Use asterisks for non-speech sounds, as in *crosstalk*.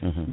*hesitation* *hesitation*